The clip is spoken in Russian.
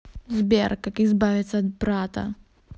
сбер как избавиться от брата